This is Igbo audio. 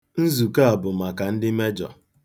Nzukọ a bụ maka ndị mejọ.